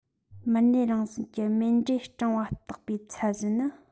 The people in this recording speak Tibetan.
མུར གནས རང བཞིན གྱི རྨེན འབྲས སྐྲངས པ བརྟག པའི ཚད གཞི ནི